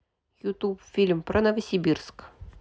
ютуб фильм про новосибирск